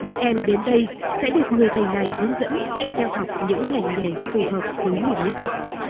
mỗi em đến đây sẽ được người thầy này hướng dẫn cho theo học những ngành nghề phù hợp với mình nhất